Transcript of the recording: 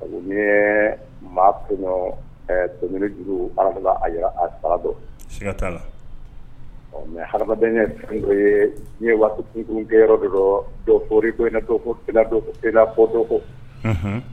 A ni maa don juru arala a a dɔn la ɔ mɛ ha adamadamadenya dɔ ye ye waatikunkɛ yɔrɔ dɔ dɔ dɔɔriri koinainafɔ dɔ